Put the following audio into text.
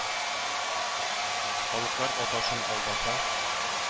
“халыклар атасы”н алдаса